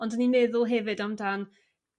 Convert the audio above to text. Ond 'dyn ni'n meddwl hefyd am dan